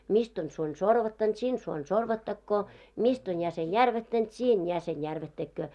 mistä on suoni sorvattanut sinne suoni sorvattakoon mistä on jäsen järvättänyt siinä jäsen järvättäköön